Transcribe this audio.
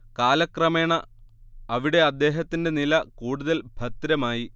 കാലക്രമേണ അവിടെ അദ്ദേഹത്തിന്റെ നില കൂടുതൽ ഭദ്രമായി